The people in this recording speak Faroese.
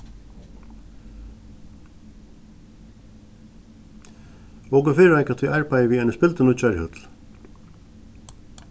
okur fyrireika tí arbeiðið við einari spildurnýggjari høll